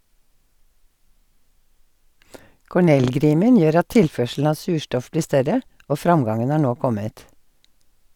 Cornell-grimen gjør at tilførselen av surstoff blir større og framgangen har nå kommet.